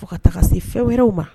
Fo ka taga se fɛnw wɛrɛw ma